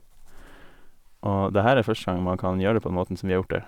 Og det her er første gang man kan gjøre det på den måten som vi har gjort det.